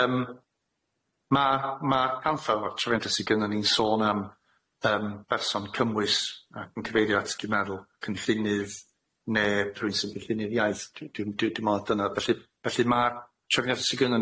Yym ma' ma' anffawr o'r trefianta sy gynnon ni'n sôn am yym berson cymwys ac yn cyfeirio at dy meddwl cynllunydd ne' rywun sy'n cyllinu'r iaith dwi dwi dwi me'wl dyna felly felly ma' trefniada sy gynnon